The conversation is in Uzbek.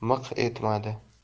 ham miq etmadi